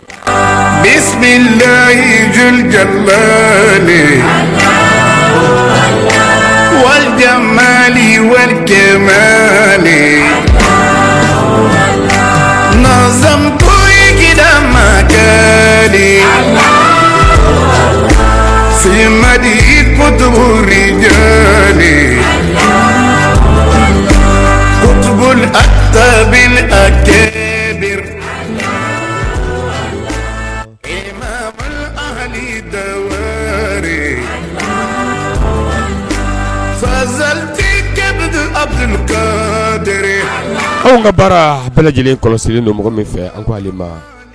Bilayi z cɛ bɛ wadi ma ni warikɛ nkakun in makɛ le la semadi ikotob a ta cɛ la den la zalitikɛ a bisimila kato anw ka bara bɛɛlɛ lajɛlen kɔlɔsi don fɛ a ko ale